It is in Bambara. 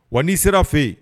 Wa ni sera fe yen